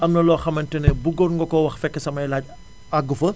am na loo xamante ne bëggoon nga koo wax fekk samay laaj àggu fa